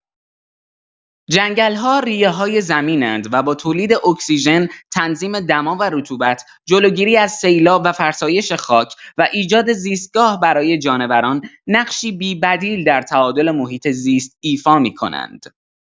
جنگل‌ها ریه‌های زمین‌اند و با تولید اکسیژن، تنظیم دما و رطوبت، جلوگیری از سیلاب و فرسایش خاک، و ایجاد زیستگاه برای جانوران، نقشی بی‌بدیل در تعادل محیط‌زیست ایفا می‌کنند.